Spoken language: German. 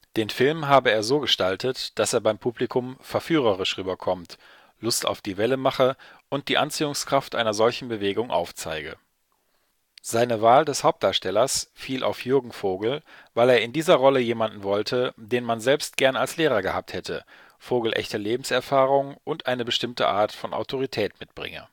Den Film habe er so gestaltet, dass er beim Publikum „ verführerisch rüberkommt “, Lust auf die Welle mache und die Anziehungskraft einer solchen Bewegung aufzeige. Seine Wahl des Hauptdarstellers fiel auf Jürgen Vogel, weil er in dieser Rolle jemanden wollte, den man selbst gern als Lehrer gehabt hätte, Vogel echte Lebenserfahrung und eine bestimmte Art von Autorität mitbringe